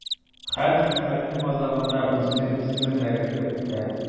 Һәр хикмәтнең азагында үзенең исемен дә кертеп үтә.